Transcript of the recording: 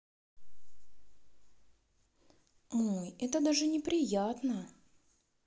ой это даже неприятно